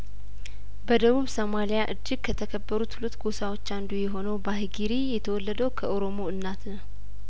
በደቡብ ሶማሊያ እጅግ ከተከበሩት ሁለት ጐሳዎች አንዱ የሆነው ባህጊሪ የተወለደው ከኦሮሞ እናት ነው